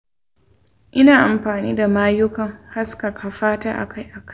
ina amfani da mayukan haskaka fata akai-akai